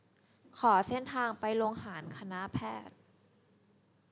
ขอเส้นทางไปโรงอาหารคณะแพทย์